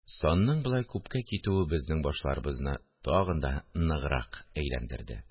Санның болай күпкә китүе безнең башларыбызны тагын да ныграк әйләндерде